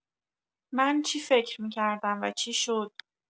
من چی فکر می‌کردم و چی شد!